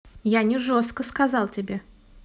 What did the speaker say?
я не жестоко сказал тебе